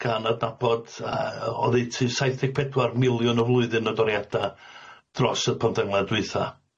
gan adnabod y- oddeutu saith deg pedwar miliwn y flwyddyn o doriada dros y pymtheg mlynedd dwytha.